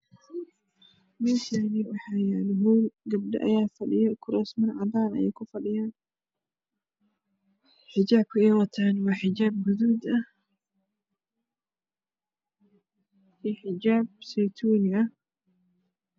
Meeshaani waxaa yaalo hool gabdho ayaa fadhiyo kuraasman cadaan ayey ku fadhiyaan xijaabka ay wataan waa xijaab gaduud ah iyo xijaab saytuuni ah